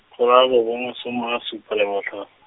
kgolo a robongwe some a supa le botlha-.